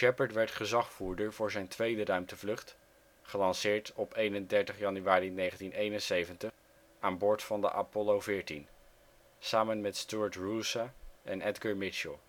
Shepard werd als gezagvoerder voor zijn tweede ruimtevlucht gelanceerd op 31 januari 1971 aan boord van de Apollo 14, samen met Stuart Roosa en Edgar Mitchell